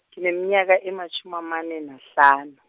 ngineminyaka ematjhumi amane nahlanu.